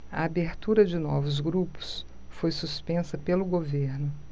a abertura de novos grupos foi suspensa pelo governo